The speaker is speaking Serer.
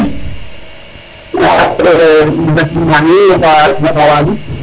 *